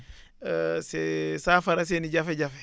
c' est saafara seen i jafe-jafe